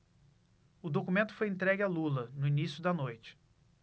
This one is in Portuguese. o documento foi entregue a lula no início da noite